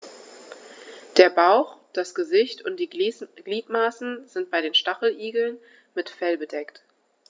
Der Bauch, das Gesicht und die Gliedmaßen sind bei den Stacheligeln mit Fell bedeckt.